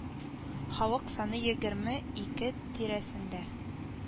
Халык саны егерме ике тирәсендә